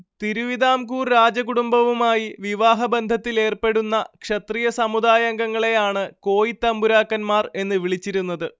തിരുവിതാംകൂർ രാജകുടുംബവുമായി വിവാഹബന്ധത്തിലേർപ്പെടുന്ന ക്ഷത്രിയസമുദായാംഗങ്ങളെയാണ്കോയിത്തമ്പുരാക്കന്മാർ എന്നു വിളിച്ചിരുന്നത്